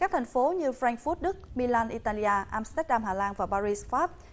các thành phố như phờ ranh phờ rút đức mi lan i ta li a am sờ tép đan hà lan và pa ri pháp